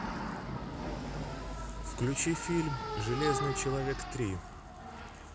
включи фильм железный человек три